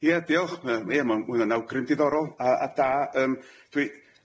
Ie diolch yy ie ma'n ma' wnna'n awgrym diddorol a a da yym dwi,